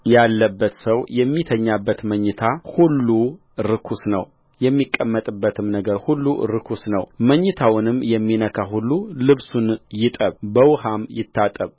ያለበት ሰው የሚተኛበት መኝታ ሁሉ ርኩስ ነው የሚቀመጥበትም ነገር ሁሉ ርኩስ ነውመኝታውንም የሚነካ ሁሉ ልብሱን ይጠብ በውኃም ይታጠብ